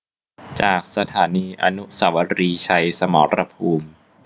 จากสถานีอนุสาวรีย์ชัยสมรภูมิ